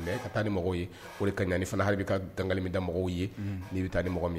Ka taa ni mɔgɔw ye o ka ɲaani fana hali bɛ kalimi da mɔgɔw ye nii bɛ taa ni mɔgɔ min ye